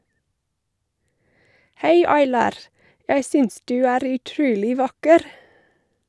Hei Aylar, jeg synes du er utrolig vakker!